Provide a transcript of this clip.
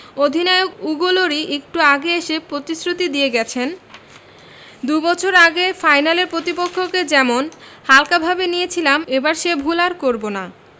অধিনায়ক Hugo Lloris একটু আগে এসে প্রতিশ্রুতি দিয়ে গেছেন দুই বছর আগে ফাইনালের পতিপক্ষকে যেমন হালকাভাবে নিয়েছিলাম এবার সে ভুল আর করব না